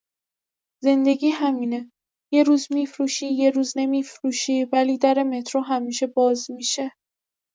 زندگی همینه، یه روز می‌فروشی، یه روز نمی‌فروشی، ولی در مترو همیشه باز می‌شه.